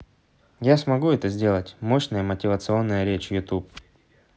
я смогу это сделать мощная мотивационная речь youtube